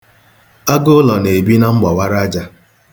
Agụụlọ na-ebi na mgbawara aja.